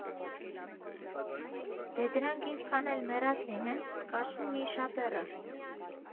Դե, դրանք ինչքան էլ մեռած լինեն, կաշին մի իշաբեռ ա։